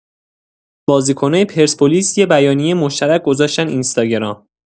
بازیکنای پرسپولیس یه بیانیه مشترک گذاشتن اینستاگرام.